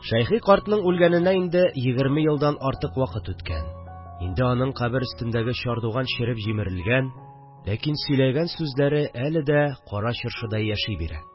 Шәйхи картның үлгәненә инде егерме елдан артык вакыт үткән, инде аның кабере өстендәге чардуган череп җимерелгән, ләкин сөйләгән сүзләре әле дә Кара Чыршыда яши бирә